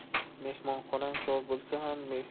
mehmonxonang tor bo'lsa ham